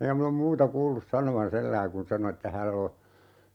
enkä minä ole muuta kuullut sanovan sillä lailla kun sanoi että hänellä on